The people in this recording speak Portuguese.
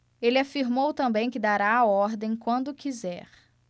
ele afirmou também que dará a ordem quando quiser